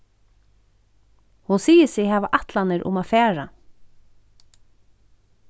hon sigur seg hava ætlanir um at fara